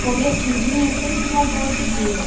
comer quindim é sempre uma boa pedida